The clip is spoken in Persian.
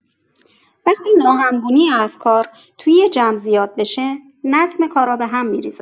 وقتی ناهمگونی افکار توی یه جمع زیاد بشه، نظم کارا بهم می‌ریزه.